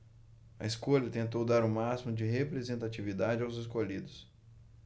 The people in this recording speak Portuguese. a escolha tentou dar o máximo de representatividade aos escolhidos